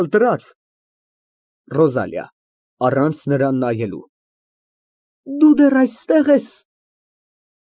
Զարուհուն) Ո՞վ կա տանը։ (Նոր գլխարկը դնում է թղթարկղի մեջ)։